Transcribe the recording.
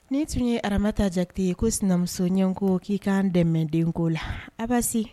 Nin tun ye arabata jate ko sinamuso ɲɛ ko k'i k' kanan dɛmɛko la aba se